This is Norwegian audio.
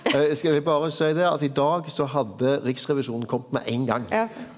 skal me berre seie det at i dag så hadde Riksrevisjonen komme med ein gang.